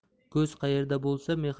ko'z qayerda bo'lsa